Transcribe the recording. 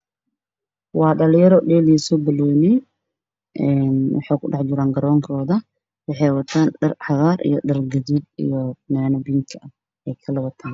Waa dhalinyaro dheelayso banooni waxay kudhex jiraan garoonkooda waxay wataan dhar cagaar iyo dhar gaduudan iyo fanaanad bingi ah.